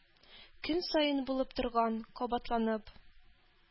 Көн саен булып торган, кабатланып